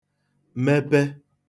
mepe